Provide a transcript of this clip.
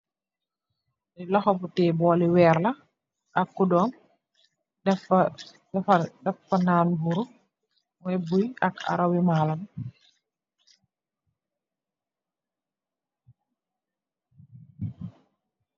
Lukhu bu teyeh bowl li werr la ak teyeh kudduh daf fa nan mburu ak arawi maaloh.